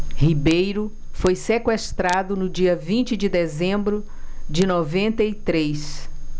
ribeiro foi sequestrado no dia vinte de dezembro de noventa e três